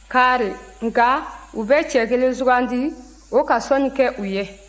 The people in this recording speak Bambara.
kaari nka u bɛ cɛ kelen sugandi o ka sɔnni kɛ u ye